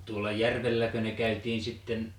tuolla järvelläkö ne käytiin sitten